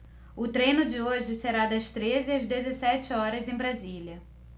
o treino de hoje será das treze às dezessete horas em brasília